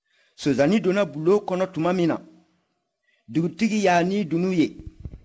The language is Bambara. sonsannin donna bulon kɔnɔ tuma min na dugutigi y'a ni dunun ye